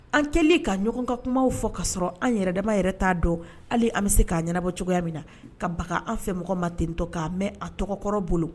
An kɛlen ka ɲɔgɔn ka kumaw fɔ k kaa sɔrɔ an yɛrɛdama yɛrɛ t'a dɔn hali an bɛ se k' ɲɛnabɔ cogoya min na ka bagan an fɛ mɔgɔ ma tentɔ k'a mɛn a tɔgɔkɔrɔ bolo